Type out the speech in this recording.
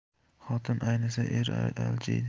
xotin aynisa er aljiydi